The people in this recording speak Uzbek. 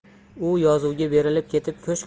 u yozuvga berilib ketib ko'shk